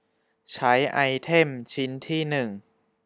ใช้ไอเทมชิ้นที่หนึ่ง